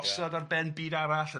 osod ar ben byd arall